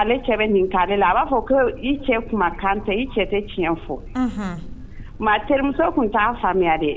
ale cɛ bɛ nin'ale la a b'a fɔ ko i cɛ kan i cɛ tɛ tiɲɛ fɔ terimuso tun t'an faamuya dɛ